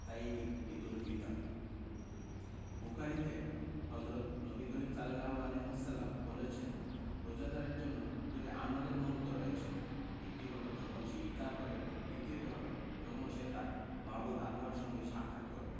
তাই এটি ঈদুল ফিতর বুখারিতে হজরত নবী করিম সা বলেছেন রোজাদারের জন্য দুটি আনন্দের মুহূর্ত রয়েছে একটি হলো যখন সে ইফতার করে দ্বিতীয়টি হবে যখন সে তাঁর মাবুদ আল্লাহর সঙ্গে সাক্ষাৎ করবে